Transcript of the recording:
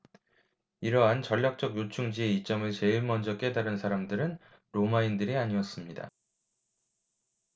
이러한 전략적 요충지의 이점을 제일 먼저 깨달은 사람들은 로마인들이 아니었습니다